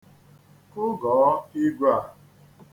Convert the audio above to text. Kụgọọ igwe a.